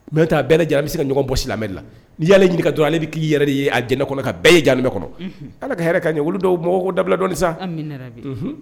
N'o tɛ a bɛɛ lajɛlen an bɛ se ka ɲɔgɔn bɔ silamɛya de la n'i y'ale ɲininka dɔrɔn ale bɛ k'i yɛrɛ de ye alijɛnɛ kɔnɔ ka bɛɛ ye jahanama kɔnɔ Ala ka hɛrɛ k'an ɲɛ olu dɔw mɔgɔw k'o dabila dɔni sa.